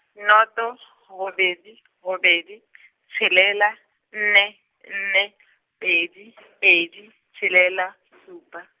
noto , robedi , robedi , tshelela, nne, nne , pedi , pedi, tshelela, supa.